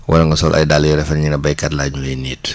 wala nga sol ay dàll yu rafet ñu ne béykat laa ñu lay niit